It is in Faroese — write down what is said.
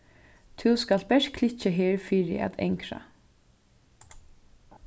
tú skalt bert klikkja her fyri at angra